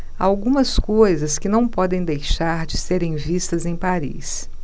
há algumas coisas que não podem deixar de serem vistas em paris